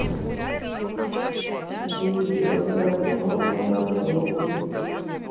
видео с огнем и водой